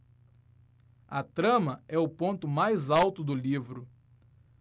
a trama é o ponto mais alto do livro